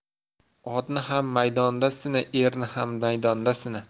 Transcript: otni ham maydonda sina erni ham maydonda sina